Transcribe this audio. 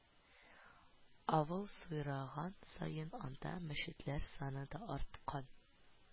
Авыл зурайган саен анда мәчетләр саны да арткан